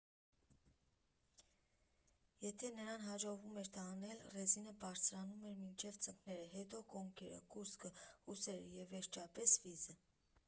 Եթե նրան հաջողվում էր դա անել, ռեզինը բարձրանում էր մինչև ծնկները, հետո՝ կոնքերը, կուրծքը, ուսերը և, վերջապես, վիզը։